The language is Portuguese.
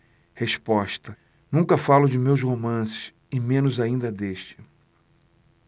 resposta nunca falo de meus romances e menos ainda deste